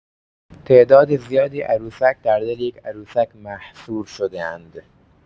تعداد زیادی عروسک در دل یک عروسک محصور شده‌اند.